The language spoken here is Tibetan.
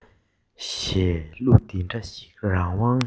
ཞེས གླུ འདི འདྲ ཞིག རང དབང